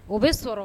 O bɛ sɔrɔ